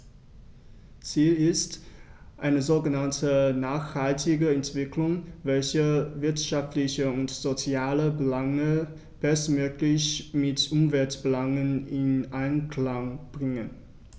Ziel ist eine sogenannte nachhaltige Entwicklung, welche wirtschaftliche und soziale Belange bestmöglich mit Umweltbelangen in Einklang bringt.